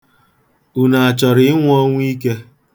Unu achọrọ ịnwụ ọnwụ ike?